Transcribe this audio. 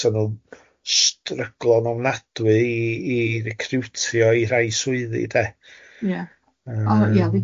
os ydyn nhw'n stryglo yn ofnadwy i i recriwtio i rai swyddi de. Ia.